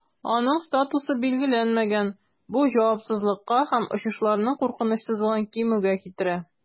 Аның статусы билгеләнмәгән, бу җавапсызлыкка һәм очышларның куркынычсызлыгын кимүгә китерә.